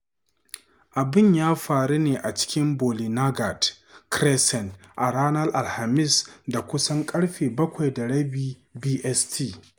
Abin ya faru ne a cikin Ballynagard Crescent a ranar Alhamis da kusan ƙarfe 19:30 BST.